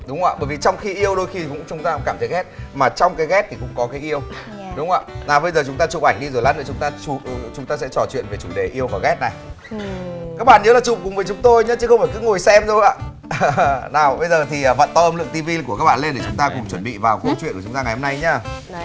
đúng không ạ bởi vì trong khi yêu đôi khi chúng ta cũng cảm thấy ghét mà trong cái ghét thì cũng có yêu đúng không ạ nào bây giờ chúng ta chụp ảnh đi rồi lát nữa chúng ta xún chúng ta sẽ trò chuyện với chủ đề yêu và ghét này các bạn nhớ là chụp cùng với chúng tôi nhá chứ không phải cứ ngồi xem đâu ạ nào bây giờ thì vặn to âm lượng ti vi của các bạn nên để chúng ta cùng chuẩn bị vào câu truyện của chúng ta ngày hôm nay nhá